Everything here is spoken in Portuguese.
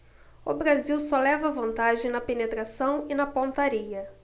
o brasil só leva vantagem na penetração e na pontaria